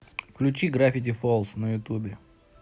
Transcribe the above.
включи гравити фолз на ютубе